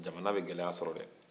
jamana bɛ gɛlɛya srɔrɔ dɛ